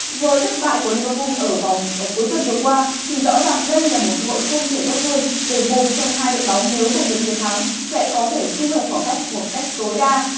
với thất bại của li vơ pun ở vòng ở cuối tuần vừa qua thì rõ ràng đây là một cơ hội không thể tốt hơn để một trong hai đội bóng nếu giành được chiến thắng sẽ có thể thu hẹp khoảng cách một cách tối đa